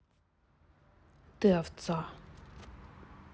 ты овца